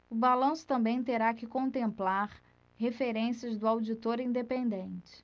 o balanço também terá que contemplar referências do auditor independente